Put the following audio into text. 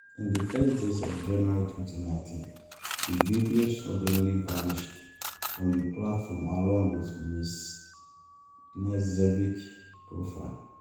In the first days of January 2019, the video suddenly vanished from the platform along with Ms. Knežević's profile.